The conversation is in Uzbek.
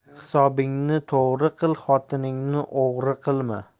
hisobingni to'g'ri qil xotiningni o'g'ri qilma